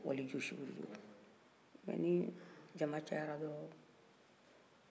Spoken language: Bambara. mɛ ni jama ciyayara dɔrɔn ko dɔw be tiɲɛ tiɲɛ